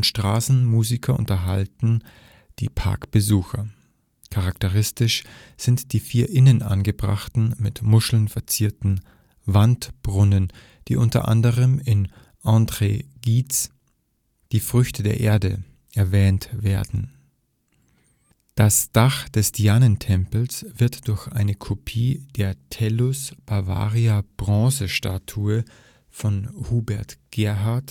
Straßenmusiker unterhalten die Parkbesucher. Charakteristisch sind die vier innen angebrachten, mit Muscheln verzierten Wandbrunnen, die unter anderem in André Gides Die Früchte der Erde erwähnt werden. Das Dach des Dianatempels wird durch eine Kopie der Tellus-Bavaria-Bronzestatue von Hubert Gerhard